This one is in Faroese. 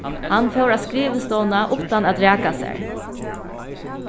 hann fór á skrivstovuna uttan at raka sær